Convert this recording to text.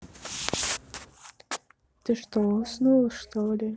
ты что уснул что ли